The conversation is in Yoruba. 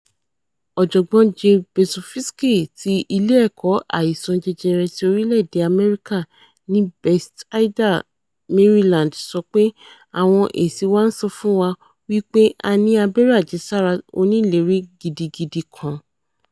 Ọ̀jọ̀gbọ́n Jay Berzofsky, ti Ilé Ẹ̀kọ́ Àìsàn Jẹjẹrẹ ti orílẹ̀-èdè Amẹrika ní Bethesda, Maryland, sọ pé: ''Àwọn èsì wa ńsọ fún wa wí pé a ní abẹ́rẹ́ àjẹsára oníìlérí gidigidi kan.